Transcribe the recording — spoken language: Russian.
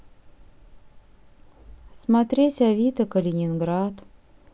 смотреть авито калининград